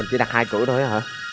mình chỉ đặt hai cửa thôi á hả